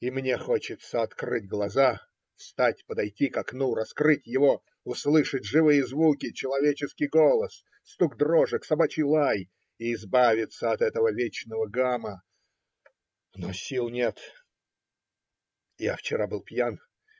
И мне хочется открыть глаза, встать, подойти к окну, раскрыть его, услышать живые звуки, человеческий голос, стук дрожек, собачий лай и избавиться от этого вечного гама. Но сил нет. Я вчера был пьян.